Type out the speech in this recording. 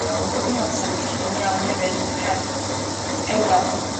A dwi'n meddwl fysan ni gallu bod yn iawn hefyd heb Ewrop.